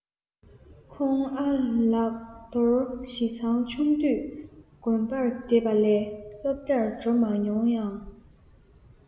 ཁོང ཨ ལགས དོར ཞི ཚང ཆུང དུས དགོན པར བསྡད པ ལས སློབ གྲྭར འགྲོ མ མྱོང ཡང